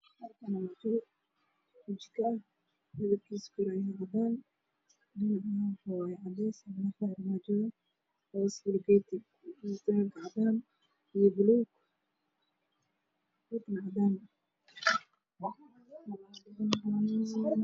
Meeshaan wajiko kushinka waxaa loo karsado midabkeeda waa jaalo waxay leedahay qaanado fara badan